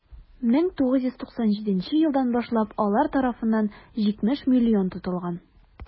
1997 елдан башлап алар тарафыннан 70 млн тотылган.